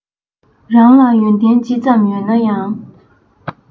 རང ལ ཡོན ཏན ཇི ཙམ ཡོད ན ཡང